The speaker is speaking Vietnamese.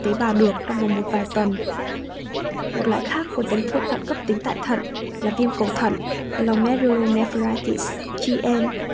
tế bào được trong vòng một vài tuần một loại khác của chấn thương thận cấp tại thận là viêm cầu thận hay glomerulonephritis